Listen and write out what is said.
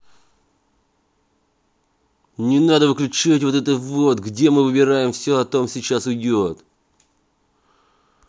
не надо выключать вот это вот где мы выбираем все о том сейчас уйдет